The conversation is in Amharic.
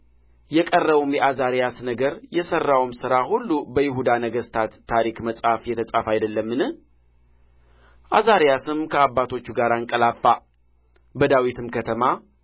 የቀረውም የዓዛርያስ ነገር የሠራውም ሥራ ሁሉ በይሁዳ ነገሥታት ታሪክ መጽሐፍ የተጻፈ አይደለምን ዓዛርያስም ከአባቶቹ ጋር አንቀላፋ በዳዊትም ከተማ